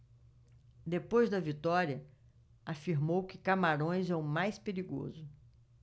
depois da vitória afirmou que camarões é o mais perigoso